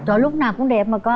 trời lúc nào cũng đẹp mà con